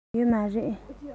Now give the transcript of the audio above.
ཡོད མ རེད